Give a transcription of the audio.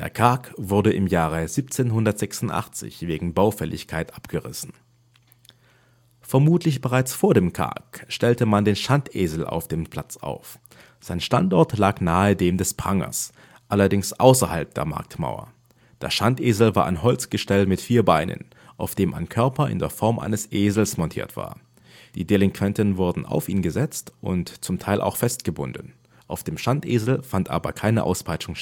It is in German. Kaak wurde im Jahre 1786 wegen Baufälligkeit abgerissen. Vermutlich bereits vor dem Kaak stellte man den Schandesel auf dem Platz auf. Sein Standort lag nahe dem des Prangers, allerdings außerhalb der Marktmauer. Der Schandesel war ein Holzgestell mit vier Beinen, auf dem ein Körper in der Form eines Esels montiert war. Die Delinquenten wurden auf ihn gesetzt und zum Teil auch festgebunden. Auf dem Schandesel fand aber keine Auspeitschung